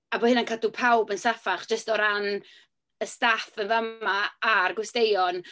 A bod hynna'n cadw pawb yn saffach jyst o ran y staff yn fa'ma a'r gwesteion.